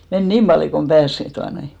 meni niin paljon kuin pääsi tuota noin